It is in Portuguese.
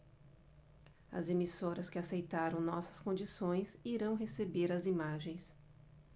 as emissoras que aceitaram nossas condições irão receber as imagens